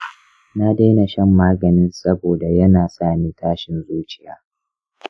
na daina shan maganin saboda yana sa ni tashin zuciya.